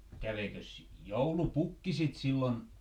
no kävikös joulupukki sitten silloin